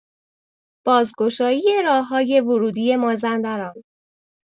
بازگشایی راه‌های ورودی مازندران